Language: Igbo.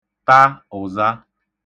ta ụ̀za